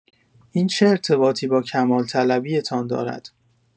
این چه ارتباطی با کمال‌طلبی‌تان دارد؟